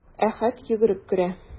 Әхәт йөгереп керә.